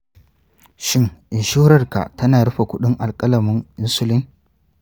shin inshorarka tana rufe kudin alkalamin insulin?